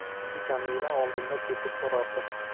jamila oldimda ketib borardi